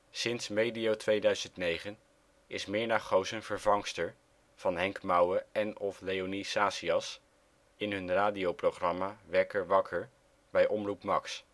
Sinds medio 2009 is Myrna Goossen vervangster van Henk Mouwe en/of Léonie Sazias in hun radioprogramma Wekker Wakker bij Omroep MAX.